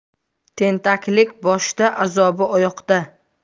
tentaklik boshda azobi oyoqda